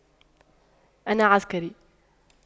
إنا عسكري